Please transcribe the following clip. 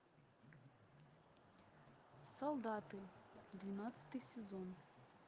солдаты двенадцатый сезон